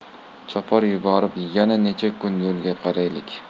chopar yuborib yana necha kun yo'liga qaraylik